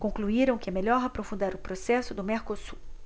concluíram que é melhor aprofundar o processo do mercosul